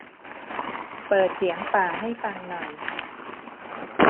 เปิดเสียงป่าให้ฟังหน่อย